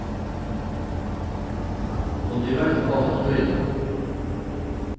kunnu tit royna at koma til tíðina